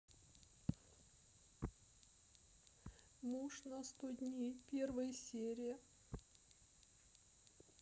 муж на сто дней первая серия